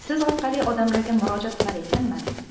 siz orqali odamlarga murojaat etar ekanman